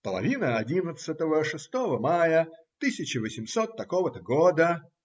половина одиннадцатого шестого мая тысяча восемьсот такого-то года.